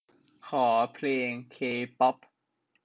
ขอเพลงเคป๊อป